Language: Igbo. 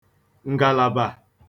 ǹgàlàbà